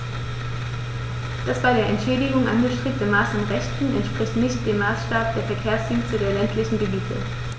Das bei der Entschädigung angestrebte Maß an Rechten entspricht nicht dem Maßstab der Verkehrsdienste der ländlichen Gebiete.